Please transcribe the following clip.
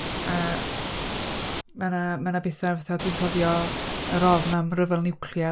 A, ma' 'na, ma' 'na bethau, fatha, dwi'n cofio yr ofn am ryfel niwclear.